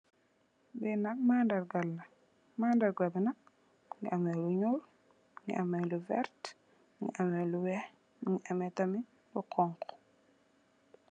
Li nak mandarga la, mandarga bi nak, mungi ameh lu ñuul, mungi ameh lu vert, mungi ameh lu weeh, mungi ameh tamit lu honku.